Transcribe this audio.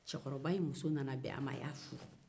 cɛkɔrɔba in muso nana bɛ a ma a y'a furu